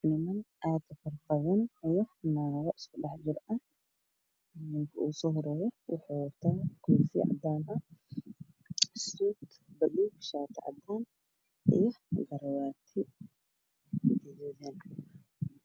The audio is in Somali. Niman aad u fara badan iyo naago is ku dhex jiro nin ka ugu soo horeeyo wuxu wataa koofi caddaan ah suud baluug shaati cadaan iyo garabaati gaduudan